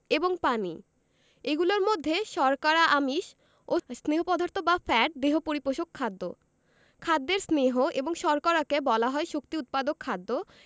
এবং পানি এগুলোর মধ্যে শর্করা আমিষ ও স্নেহ পদার্থ বা ফ্যাট দেহ পরিপোষক খাদ্য খাদ্যের স্নেহ এবং শর্করাকে বলা হয় শক্তি উৎপাদক খাদ্য